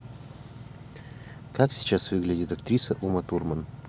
как сейчас выглядит актриса ума турман